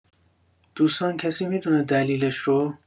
دوستان کسی می‌دونه دلیلش رو؟